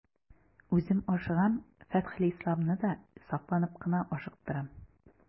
Үзем ашыгам, Фәтхелисламны да сакланып кына ашыктырам.